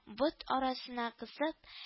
Бот арасына кысып